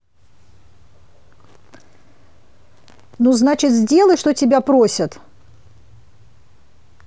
ну значит сделай что тебя просят